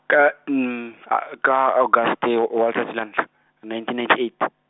ka , a ka August wa tsatsi la ntlha, nineteen ninenty eight.